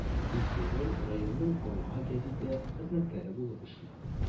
Ике ел районның “Алга” гәзите хезмәткәре булып эшли.